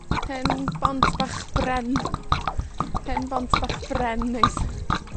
Hen bont bach bren. Hen bont bach bren neis.